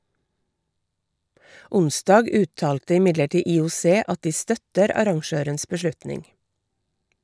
Onsdag uttalte imidlertid IOC at de støtter arrangørens beslutning.